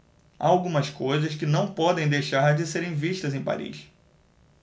há algumas coisas que não podem deixar de serem vistas em paris